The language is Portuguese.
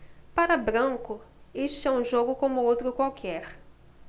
para branco este é um jogo como outro qualquer